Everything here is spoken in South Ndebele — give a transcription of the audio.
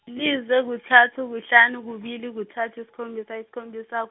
lize kuthathu kuhlanu kubili kuthathu sikhombisa yisikhombisa.